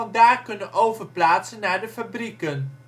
daar kunnen overplaatsen naar de fabrieken